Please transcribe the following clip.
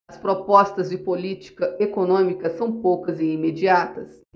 as propostas de política econômica são poucas e imediatas